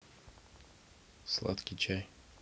сладкий чай